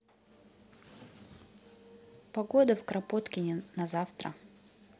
погода в кропоткине на завтра